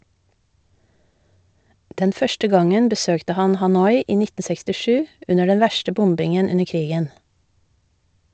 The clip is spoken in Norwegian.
Den første gangen besøkte han Hanoi i 1967 under den verste bombingen under krigen.